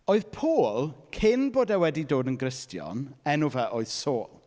Oedd Paul cyn bod e wedi dod yn Gristion enw fe oedd Saul.